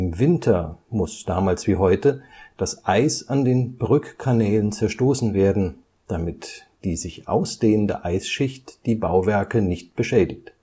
Winter muss, damals wie heute, das Eis an den Brückkanälen zerstoßen werden, damit die sich ausdehnende Eisschicht die Bauwerke nicht beschädigt